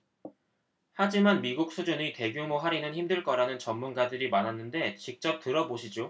하지만 미국 수준의 대규모 할인은 힘들 거라는 전문가들이 많았는데 직접 들어보시죠